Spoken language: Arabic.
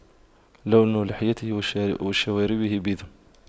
لون لحيته وشواربه بيض